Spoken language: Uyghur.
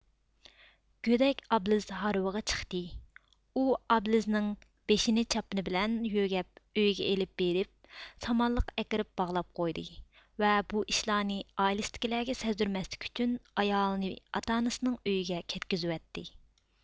گۆدەك ئابلىز ھارۋىغا چىقتى ئۇ ئابلىزنىڭ بېشىنى چاپىنى بىلەن يۆگەپ ئۆيگە ئېلىپ بېرىپ سامانلىققا ئەكىرىپ باغلاپ قويدى ۋە بۇ ئىشلارنى ئائىلىسىدىكىلەرگە سەزدۈرمەسلىك ئۈچۈن ئايالىنى ئاتا ئانىسىنىڭ ئۆيىگە كەتكۈزىۋەتتى